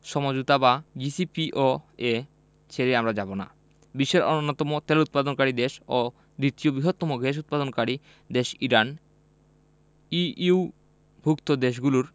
সমঝোতা বা জেসিপিওএ ছেড়ে আমরা যাব না বিশ্বের অন্যতম তেল উৎপাদনকারী দেশ ও দ্বিতীয় বৃহত্তম গ্যাস উৎপাদনকারী দেশ ইরান ইইউভুক্ত দেশগুলোর